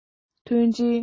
མཐུན སྒྲིལ